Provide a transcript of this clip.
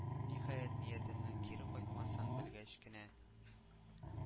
Ниһаять, ниятеннән кире кайтмасын белгәч кенә,